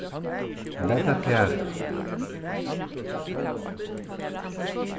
lat tað fara